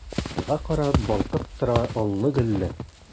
Айга карап балкып тора аллы-гөлле!